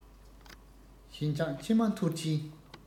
ཞེན ཆགས མཆི མ འཐོར གྱིན